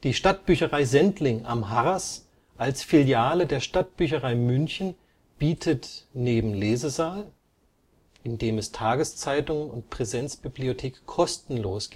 Stadtbücherei Sendling am Harras als Filiale der Stadtbücherei München bietet neben Lesesaal (Tageszeitungen und Präsenzbibliothek kostenlos